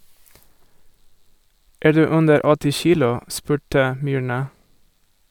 Er du under åtti kilo, spurte Myrna.